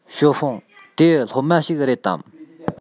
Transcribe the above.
ཞའོ ཧྥུང དེ སློབ མ ཞིག རེད དམ